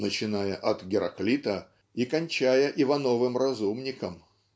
"начиная от Гераклита и кончая Ивановым-Разумником". )